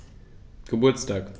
Geburtstag